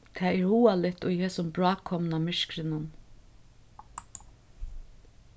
tað er hugaligt í hesum bráðkomna myrkrinum